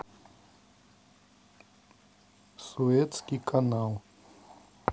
суэцкий канал